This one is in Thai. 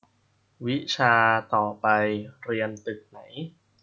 วิชาต่อไปเรียนตึกไหน